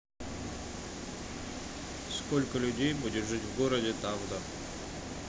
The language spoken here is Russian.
сколько людей будет жить в городе тавда